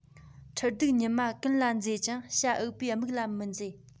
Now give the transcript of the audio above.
ཁྲི གདུགས ཉི མ ཀུན ལ མཛེས ཀྱང བྱ འུག པའི མིག ལ མི མཛེས